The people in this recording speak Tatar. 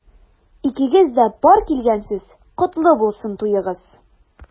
Икегез дә пар килгәнсез— котлы булсын туегыз!